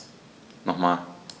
Nochmal.